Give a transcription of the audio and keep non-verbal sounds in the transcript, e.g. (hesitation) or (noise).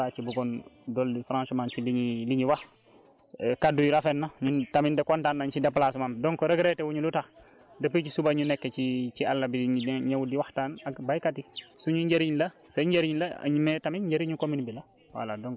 voilà pexe rek lañ mën a def pour mun koo mun koo saafara bon loolu laa ci buggoon dolli franchement ci li ñuy li ñu wax (hesitation) kàddu yi rafet na ñun tamit kontaan nañ ci déplacement bi donc regretter wu ñu lu tax depuis ci suba ñu nekk ci (hesitation) ci àll bi ñëw di waxtaan ak béykat yi